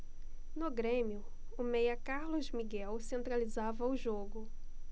no grêmio o meia carlos miguel centralizava o jogo